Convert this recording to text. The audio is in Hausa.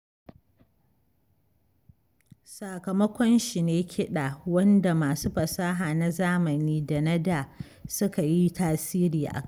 Sakamakon shi ne kiɗa, wanda masu fasaha na zamani da na da suka yi tasiri a kai.